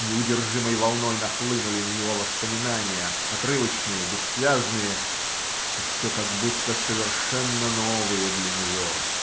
Неудержимой волной нахлынули на него воспоминания, отрывочные, бессвязные и все как будто совершенно новые для него.